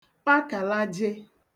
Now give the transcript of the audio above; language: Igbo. kpakàlaje